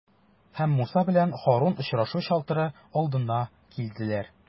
Һәм Муса белән Һарун очрашу чатыры алдына килделәр.